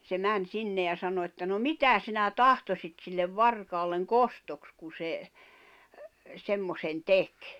se meni sinne ja sanoi että no mitä sinä tahtoisit sille varkaalle kostoksi kun se semmoisen teki